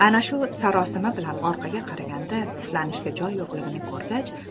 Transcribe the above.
ana shu sarosima bilan orqaga qaraganda tislanishga joy yo'qligini ko'rgach